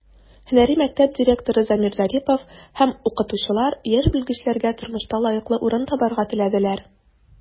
Һөнәри мәктәп директоры Замир Зарипов һәм укытучылар яшь белгечләргә тормышта лаеклы урын табарга теләделәр.